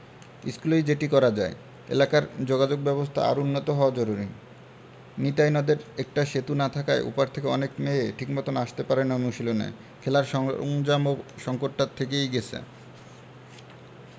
স্কুলেই যেটি করা যায় এলাকার যোগাযোগব্যবস্থা আরও উন্নত হওয়া জরুরি নিতাই নদের একটা সেতু না থাকায় ও পার থেকে অনেক মেয়ে ঠিকমতোন আসতে পারে না অনুশীলনে খেলার সরঞ্জামের সংকটটা থেকেই গেছে